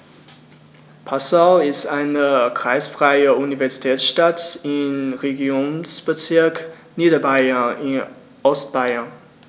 Passau ist eine kreisfreie Universitätsstadt im Regierungsbezirk Niederbayern in Ostbayern.